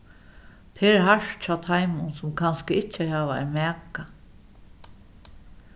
tað er hart hjá teimum sum kanska ikki hava ein maka